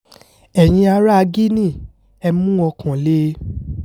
Ẹ̀yin aráa Guinea, ẹ mú ọkàn le!